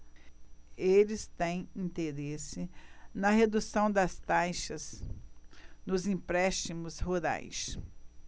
eles têm interesse na redução das taxas nos empréstimos rurais